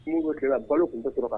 Bɛ tila balo tun bɛ sɔrɔ kan